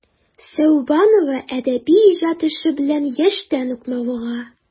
Сәүбанова әдәби иҗат эше белән яшьтән үк мавыга.